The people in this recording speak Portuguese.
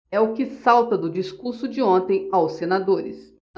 é o que salta do discurso de ontem aos senadores